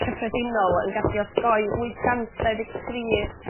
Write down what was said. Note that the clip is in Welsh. cyffredinol yn gallu osgoi wyth gant dau ddeg tri